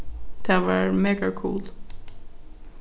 tað var mega kul